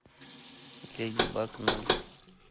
леди баг ноль